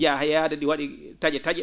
njiyaa yaade ?i wa?i ta?e ta?e